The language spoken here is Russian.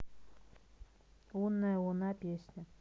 лунная луна песня